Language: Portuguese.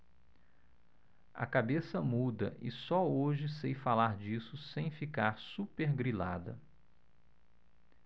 a cabeça muda e só hoje sei falar disso sem ficar supergrilada